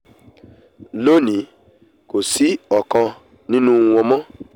'Lóòní, kòsí ọkàn nínú wọn mọ́.''